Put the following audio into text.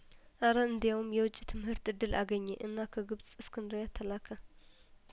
አረ እንዲያውም የውጭ ትምህርት እድል አገኘ እና ከግብጽ እስክንድርያተላከ